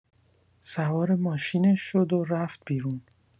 سوار ماشینش شد و رفت بیرون.